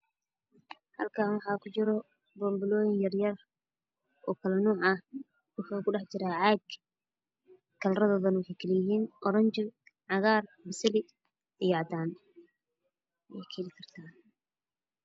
Halkaani waxa ku dhex jiro boon-bolooyin yar-yar oo kala nooc ah waxuu ku dhex jiraa caad ah karraradoodana waxay kala yihiin: aranji, cagaar, silig iyo cadaan ey kali kartaa